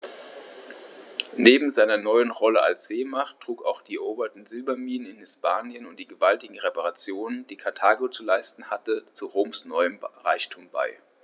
Neben seiner neuen Rolle als Seemacht trugen auch die eroberten Silberminen in Hispanien und die gewaltigen Reparationen, die Karthago zu leisten hatte, zu Roms neuem Reichtum bei.